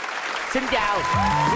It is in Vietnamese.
xin chào những